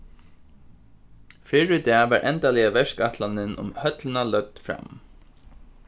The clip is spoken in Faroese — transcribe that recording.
fyrr í dag var endaliga verkætlanin um høllina løgd fram